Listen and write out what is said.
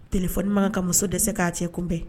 Tile fɔonima kan ka muso dɛsɛ k'a cɛ kunbɛn